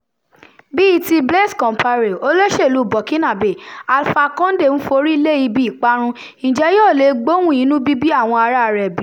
Bíi ti Blaise Compaoré [olóṣèlúu Burkinabé] Alpha Condé ń forí lé ibi ìparun, ǹjẹ́ yó leè gbóhùn inúbíbí àwọn aráa rẹ̀ bí?